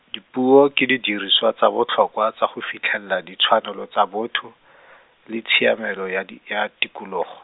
dipuo ke didiriswa tsa botlhokwa tsa go fitlhelela ditshwanelo tsa botho, le tshiamelo ya di-, ya tikologo.